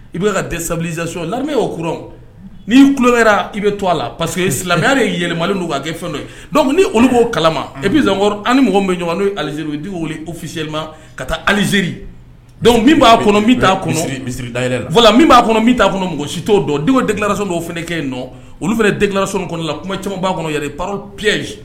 I bɛ ka sabaliz so lamɛ y'o kɔrɔ n'i tulolo i bɛ to a la pa parce que silamɛya ye yɛlɛ yɛlɛma don'a kɛ fɛn ye ni olu k'o kalama epi zankɔrɔ ani ni mɔgɔ bɛ ɲuman' alizri di wili o fisili ka taa alizeiriri dɔnkuc min b'a kɔnɔ bɛ t kɔnɔsiri da min b'a kɔnɔ bɛ t' kɔnɔ mɔgɔ si' dɔn denw delaraso dɔw o fana kɛ yen nɔ olu fana denlara so kɔnɔ la kuma caman b'a kɔnɔ yɛrɛ pa pji